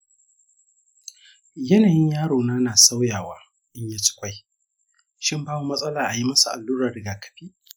yanayin yarona na sauyawa in ya ci ƙwai; shin babu matsala a yi masa allurar rigakafi?